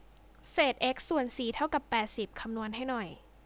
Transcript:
เศษเอ็กซ์ส่วนสี่เท่ากับแปดสิบคำนวณให้หน่อย